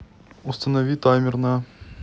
установи таймер на